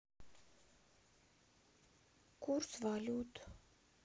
курс валют